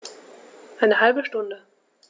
Eine halbe Stunde